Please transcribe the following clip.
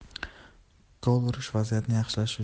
gol urish vaziyatni yaxshilash